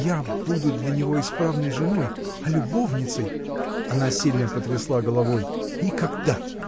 Я буду для него исправной женой, а любовницей (она сильно потрясла головой) — никогда!